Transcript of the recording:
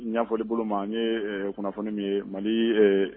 Ɲɛfɔli bolo ma n ye kunnafoni min ye mali